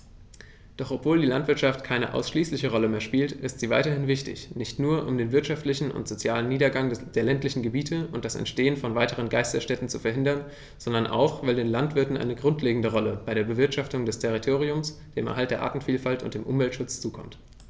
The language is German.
Doch obwohl die Landwirtschaft keine ausschließliche Rolle mehr spielt, ist sie weiterhin wichtig, nicht nur, um den wirtschaftlichen und sozialen Niedergang der ländlichen Gebiete und das Entstehen von weiteren Geisterstädten zu verhindern, sondern auch, weil den Landwirten eine grundlegende Rolle bei der Bewirtschaftung des Territoriums, dem Erhalt der Artenvielfalt und dem Umweltschutz zukommt.